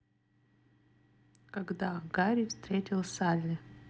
когда гарри встретил салли